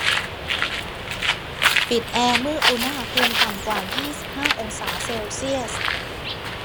ปิดแอร์เมื่ออุณหภูมิต่ำกว่ายี่สิบห้าองศาเซลเซียส